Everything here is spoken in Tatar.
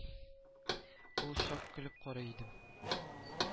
Ул чак көлеп карый идем